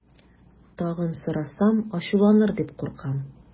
Тагын сорасам, ачуланыр дип куркам.